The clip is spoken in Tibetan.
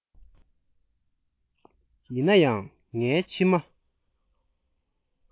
ཡིན ན ཡང ངའི མཆིལ མ